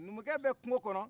numukɛ bɛ kungo kɔnɔ